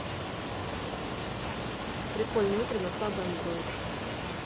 прикольные игры на слабый андроид